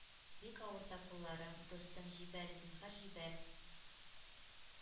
Бик авырта кулларым, дустым, җибәр, зинһар, җибәр;